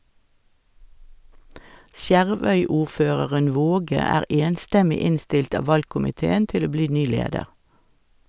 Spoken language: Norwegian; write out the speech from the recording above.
Skjervøy-ordføreren Waage er enstemmig innstilt av valgkomiteen til å bli ny leder.